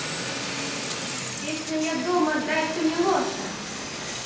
песня я дома дай ка милоша